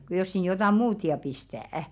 kun jos sinne jotakin muuta ja pistää